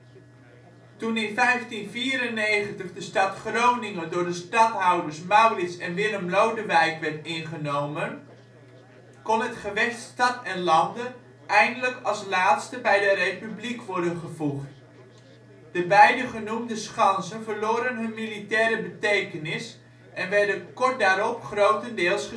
Toen in 1594 de stad Groningen door de stadhouders Maurits en Willem Lodewijk werd ingenomen, kon het gewest Stad en Lande eindelijk als laatste bij de Republiek worden gevoegd. De beide genoemden Schansen verloren hun militaire betekenis en werden kort daarop grotendeels